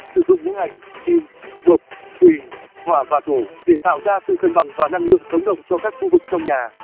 sử dụng ngũ hành kim mộc thủy hỏa và thổ để tạo ra sự cân bằng và năng lượng sống động cho các khu vực trong nhà